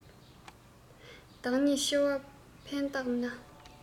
བདག ཉིད ཆེ ལ ཕན བཏགས ན